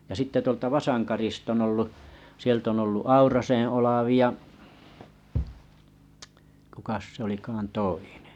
ja sitten tuolta Vasankarista ollut sieltä on ollut Aurasen Olavi kukas se olikaan toinen